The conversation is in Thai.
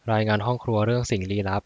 รายงานห้องครัวเรื่องสิ่งลี้ลับ